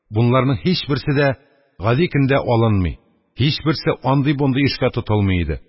Бунларның һичберсе дә гади көндә алынмый, һичберсе андый-бундый эшкә тотылмый иде.